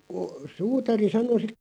kun suutari sanoi -